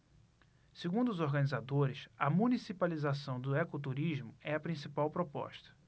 segundo os organizadores a municipalização do ecoturismo é a principal proposta